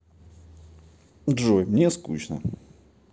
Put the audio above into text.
джой мне скучно